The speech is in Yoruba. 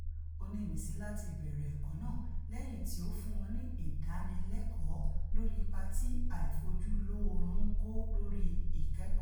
Ó ní ìmísí láti bẹ̀rẹ̀ ẹ̀kọ́ náà lẹ́yìn tí ó fún wọn ní ìdánilẹ́kọ̀ọ́ lórí ipa tí àìfójúlóoorun ń kó lórí ìkẹ́kọ̀ọ́.